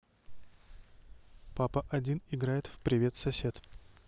папа один играет в привет сосед